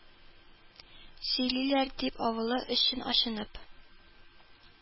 Сөйлиләр, дип, авылы өчен ачынып